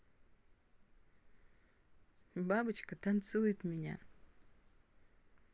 бабочка танцует меня